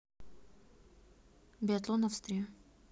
биатлон австрия